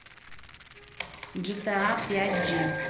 gta пять g